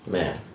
Ia.